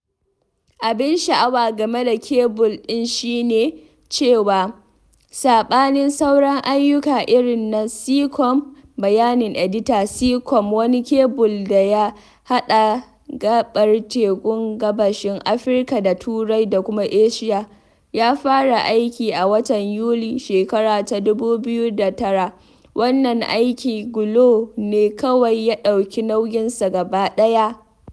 Abin sha'awa game da kebul ɗin shi ne cewa, saɓanin sauran ayyuka irin na Seacom [Bayanin edita: Seacom, wani kebul da ya haɗa gaɓar tekun Gabashin Afirka da Turai da kuma Asiya, ya fara aiki a watan Yulin 2009], wannan aiki Glo ne kawai ya ɗauki nauyinsa gaba ɗaya.